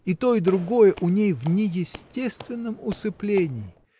и то, и другое у ней в неестественном усыплении.